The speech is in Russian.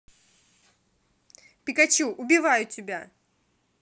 пикачу убиваю тебя